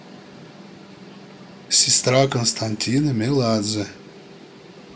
сестра константина меладзе